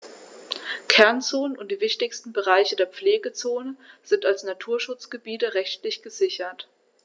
Kernzonen und die wichtigsten Bereiche der Pflegezone sind als Naturschutzgebiete rechtlich gesichert.